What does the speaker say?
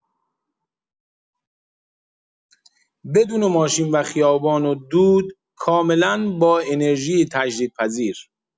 بدون ماشین و خیابان و دود، کاملا با انرژی تجدیدپذیر